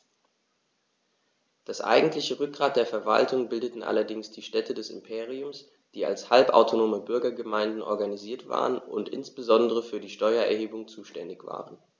Das eigentliche Rückgrat der Verwaltung bildeten allerdings die Städte des Imperiums, die als halbautonome Bürgergemeinden organisiert waren und insbesondere für die Steuererhebung zuständig waren.